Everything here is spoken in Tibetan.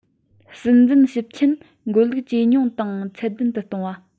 སྲིད འཛིན ཞིབ མཆན འགོད ལུགས ཇེ ཉུང དང ཚད ལྡན དུ གཏོང བ